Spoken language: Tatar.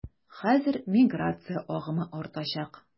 Хәзер миграция агымы артачак.